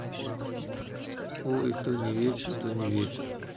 ой то не вечер то не вечер